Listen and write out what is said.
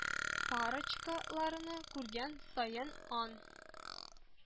Парочка ларны күргән саен ан